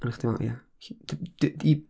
Dyna chdi meddwl- ia, ll- d- d- i...